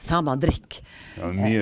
samene drikker .